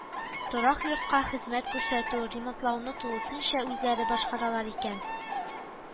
Торак йортка хезмәт күрсәтү, ремонтлауны тулысынча үзләре башкаралар икән